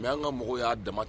Mɛ y anan ka mɔgɔw y'a dama